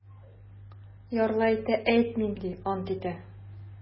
Ярлы әйтә: - әйтмим, - ди, ант итә.